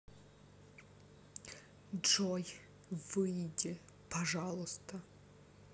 джой выйди пожалуйста